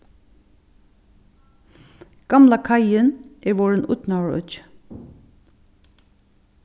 gamla kaiin er vorðin ídnaðarøki